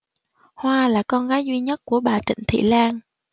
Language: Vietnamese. hoa là con gái duy nhất của bà trịnh thị lan